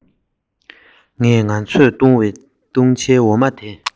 རེད འོ མ འདྲ བ ཞིམ པོ ཡོད